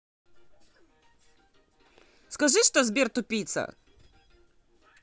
скажи что сбер тупица